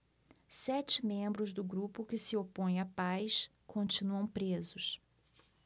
sete membros do grupo que se opõe à paz continuam presos